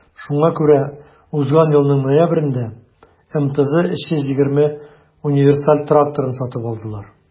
Шуңа күрә узган елның ноябрендә МТЗ 320 универсаль тракторын сатып алдылар.